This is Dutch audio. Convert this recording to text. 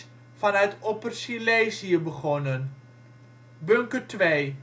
vanuit Opper-Silezië begonnen. Bunker 2